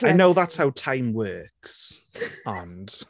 I know that's how time works ond...